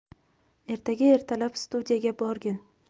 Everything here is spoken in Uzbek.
ertaga ertalab studiyaga borgin